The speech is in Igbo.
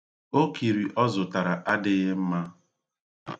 Okiri ọ zutara adịghị mma